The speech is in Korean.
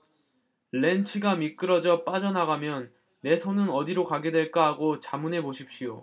렌치가 미끄러져 빠져나가면 내 손은 어디로 가게 될까 하고 자문해 보십시오